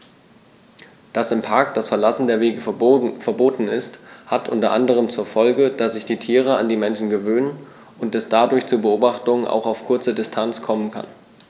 Dass im Park das Verlassen der Wege verboten ist, hat unter anderem zur Folge, dass sich die Tiere an die Menschen gewöhnen und es dadurch zu Beobachtungen auch auf kurze Distanz kommen kann.